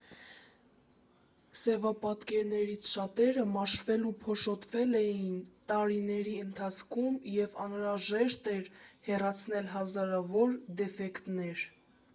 Սևապատկերներից շատերը մաշվել ու փոշոտվել էին տարիների ընթացքում և անհրաժեշտ էր հեռացնել հազարավոր դեֆեկտներ։